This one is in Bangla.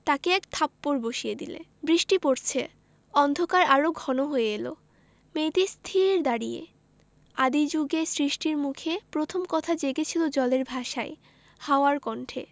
তাকে এক থাপ্পড় বসিয়ে দিলে বৃষ্টি পরছে অন্ধকার আরো ঘন হয়ে এল মেয়েটি স্থির দাঁড়িয়ে আদি জুগে সৃষ্টির মুখে প্রথম কথা জেগেছিল জলের ভাষায় হাওয়ার কণ্ঠে